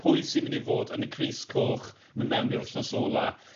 pwy sy'n myn' i fod yn i crys coch myn' mewn i'r wthnos ola.